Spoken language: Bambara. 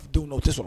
Dɔnku o tɛ sɔrɔ